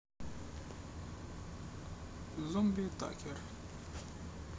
zombie такер